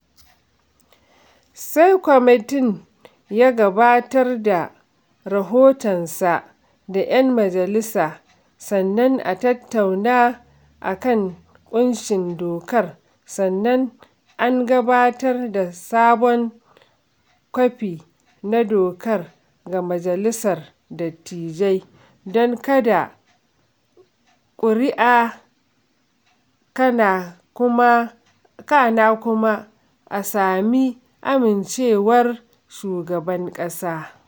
Sai kwamitin ya gabatar da rahotonsa ga 'yan majalisa, sannan an tattuna a kan ƙunshin dokar, sannan an gabatar da sabon kwafi na dokar ga Majalisar Dattijai don kaɗa ƙuri'a, kana kuma a sami amincewar shugaban ƙasa.